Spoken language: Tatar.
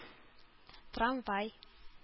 Трамвай